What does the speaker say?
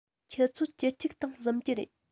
ཆུ ཚོད བཅུ གཅིག སྟེང གཟིམ གྱི རེད